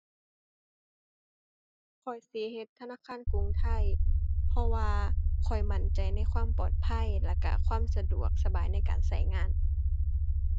ข้อยสิเฮ็ดธนาคารกรุงไทย เพราะว่าข้อยมั่นใจในความปลอดภัย แล้วก็ความสะดวกสบายในการก็งาน